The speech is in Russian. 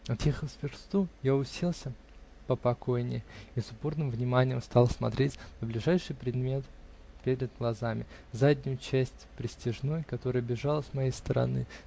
Отъехав с версту, я уселся попокойнее и с упорным вниманием стал смотреть на ближайший предмет перед глазами -- заднюю часть пристяжной, которая бежала с моей стороны.